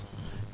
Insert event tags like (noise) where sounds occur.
(hesitation) (hesitation)